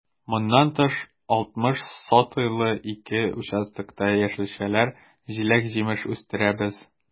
Моннан тыш, 60 сотыйлы ике участокта яшелчәләр, җиләк-җимеш үстерәбез.